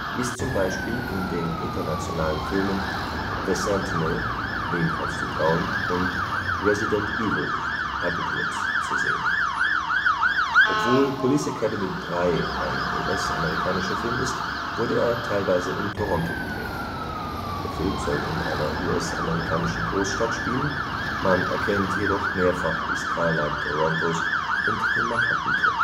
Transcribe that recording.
ist zum Beispiel in den internationalen Filmen The Sentinel – Wem kannst du trauen? und Resident Evil: Apocalypse zu sehen. Obwohl Police Academy 3 ein US-amerikanischer Film ist, wurde er teilweise in Toronto gedreht. Der Film soll in einer US-amerikanischen Großstadt spielen; man erkennt jedoch mehrfach die Skyline Torontos und den markanten Turm